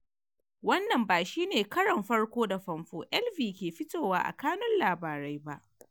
wannan ba shi ne Karon farko da famfo Elvie ke fitowa a kannun labarai ba.